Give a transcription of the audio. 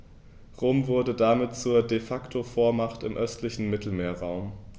Rom wurde damit zur ‚De-Facto-Vormacht‘ im östlichen Mittelmeerraum.